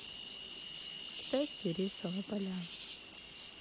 китайские рисовые поля